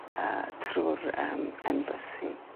yy trw'r yym embassy.